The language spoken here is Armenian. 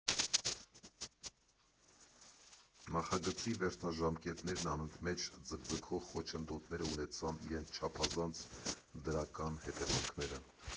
Նախագծի վերջնաժամկետներն անընդմեջ ձգձգող խոչընդոտները ունեցան իրենց չափազանց դրական հետևանքները։